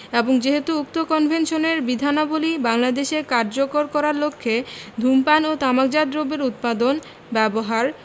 এবং যেহেতু উক্ত কনভেনশনের বিধানাবলী বাংলাদেশে কার্যকর করার লক্ষ্যে ধূমপান ও তামাকজাত দ্রব্যের উৎপাদন ব্যবহার